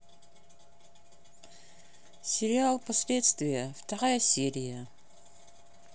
сериал последствия вторая серия